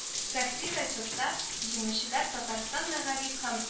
Шәхси зачетта җиңүчеләр ТАТАРСТАН Мәгариф һәм